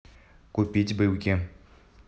купить брюки